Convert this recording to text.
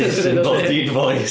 Disembodied voice